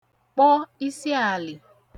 kpọ isiàlì